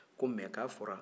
ko mɛ k'a fɔra